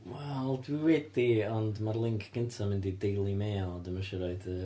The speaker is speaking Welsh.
Wel, dwi wedi, ond ma'r link gynta'n mynd i Daily Mail, dwi'm isio roid yr...